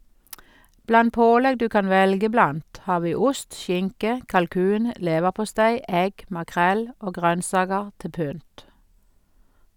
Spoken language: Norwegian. Blant pålegg du kan velge blant har vi ost, skinke, kalkun, leverpostei, egg, makrell og grønnsaker til pynt.